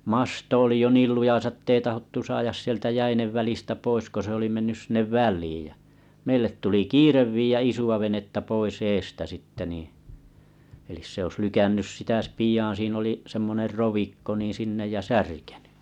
masto oli jo niin lujassa että ei tahdottu saada sieltä jäiden välistä pois kun se oli mennä sinne väliin ja meille tuli kiire viedä isoa venettä pois edestä sitten niin eli se olisi lykännyt sitä - pian siinä oli semmoinen rovikko niin sinne ja särkenyt